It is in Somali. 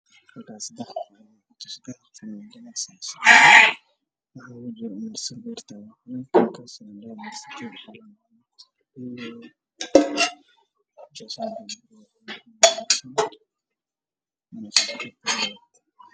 Meshan waa sedax boombalo ah waxaa afka ugu xiran maro buluug ah